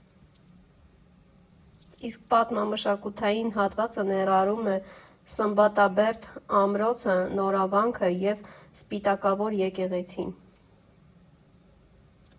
Իսկ պատմամշակութային հատվածը ներառում է Սմբատաբերդ ամրոցը, Նորավանքը և Սպիտակավոր եկեղեցին։